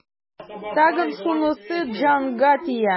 Тагын шунысы җанга тия.